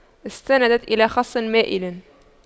استندت إلى خصٍ مائلٍ